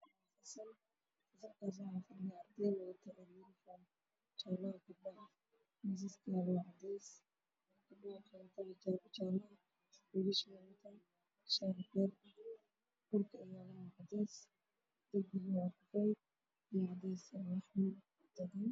Waa gabdho qabo xijaabo jaalle ah oo casharo qaran oo iskool fadhiyaan